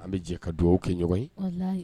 An bɛ jɛ ka dugawu kɛ ɲɔgɔn ye, walahi